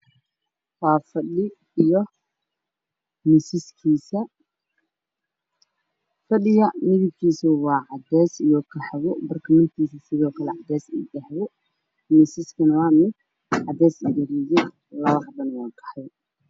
Waa fadhi iyo miisaskiisa. Fadhigu waa cadaan iyo qaxwi. Barkimihiisu waa cadeys iyo qaxwi, miisku waa cadeys labana waa qaxwi.